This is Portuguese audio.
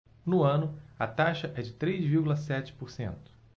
no ano a taxa é de três vírgula sete por cento